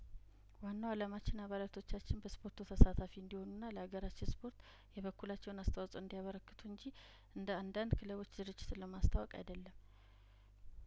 ዋናው አላማችን አባላቶቻችን በስፖርቱ ተሳታፊ እንዲሆኑና ለሀገራችን ስፖርት የበኩላቸውን አስተዋጽኦ እንዲ ያበረክቱ እንጂ እንደአንዳንድ ክለቦች ድርጅትን ለማስተዋወቅ አይደለም